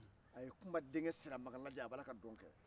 a ye kunba denkɛ siramakan lajɛ a b'ala ka dɔnkɛ